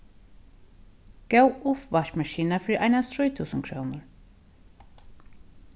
góð uppvaskimaskina fyri einans trý túsund krónur